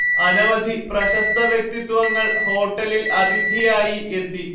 അനവധി പ്രശസ്ത വ്യക്തിത്വങ്ങൾ ഹോട്ടലിൽ അതിഥിയായി എത്തി